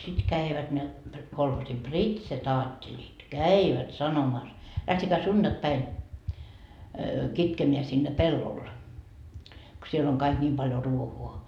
sitten kävivät ne kolhoosin pritsetaattelit kävivät sanomassa lähtekää sunnuntaipäivänä kitkemään sinne pellolle kun siellä on kaikki niin paljon ruohoa